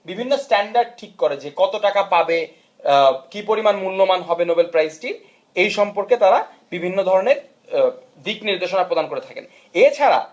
বিভিন্ন স্ট্যান্ডার্ড ঠিক করে যে কত টাকা পাবে কি পরিমান মূল্যমান হবে নবেল প্রাইজ টিয়ের সম্পর্কে তারা বিভিন্ন ধরনের দিকনির্দেশনা প্রদান করে থাকেন এছাড়া